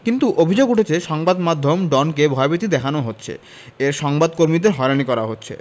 কিন্তু অভিযোগ উঠেছে সংবাদ মাধ্যম ডনকে ভয়ভীতি দেখানো হচ্ছে এর সংবাদ কর্মীদের হয়রানি করা হচ্ছে